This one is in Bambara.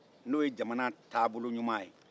n'o ye jamana taabolo ɲuman ye